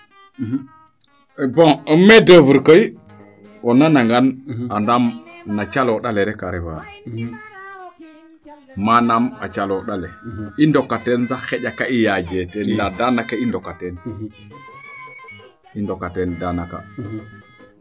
bon main d' oeuvre koy o nana ngan andaam na caloonda le rek a refaa manaam a caloonda le i ndoka teen sax xaƴa ka i yaaje teen nda danaka i ndoka teen i ndoka teen danaka